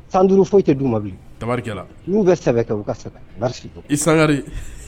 San duuru foyi tɛ du u ma bilenri'u bɛ kɛ u ka igari